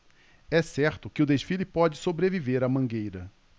é certo que o desfile pode sobreviver à mangueira